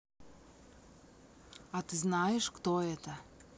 а ты знаешь кто ты